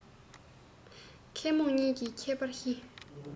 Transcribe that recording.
མཁས རྨོངས གཉིས ཀྱི ཁྱད པར ཤེས